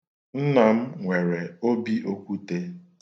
Nna m nwere obi okwute